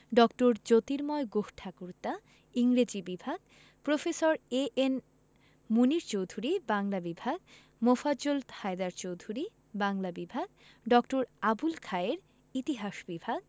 ড. জ্যোতির্ময় গুহঠাকুরতা ইংরেজি বিভাগ প্রফেসর এ.এন মুনীর চৌধুরী বাংলা বিভাগ মোফাজ্জল হায়দার চৌধুরী বাংলা বিভাগ ড. আবুল খায়ের ইতিহাস বিভাগ